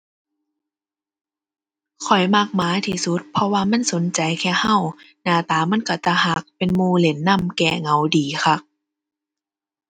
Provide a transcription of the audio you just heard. ข้อยมักหมาที่สุด เพราะว่ามันสนใจแค่เรา หน้าตามันเราตาเรา เป็นหมู่เล่นนำ แก้เหงาดีคัก